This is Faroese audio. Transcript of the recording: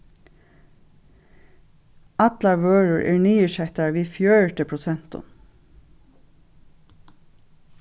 allar vørur eru niðursettar við fjøruti prosentum